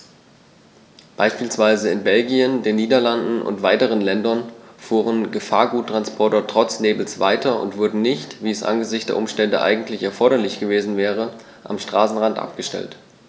Beispielsweise in Belgien, den Niederlanden und weiteren Ländern fuhren Gefahrguttransporter trotz Nebels weiter und wurden nicht, wie es angesichts der Umstände eigentlich erforderlich gewesen wäre, am Straßenrand abgestellt.